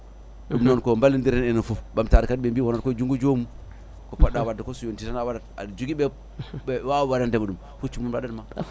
ɗum noon ko ballodiren enen foof ɓamtare kadi ɓe mbi wonata koye junngo jomum ko poɗɗa wadde ko so yonti an a waɗat aɗa jogui ɓe wawɓe waɗandema ɗum hoccu ɓe mbaɗanma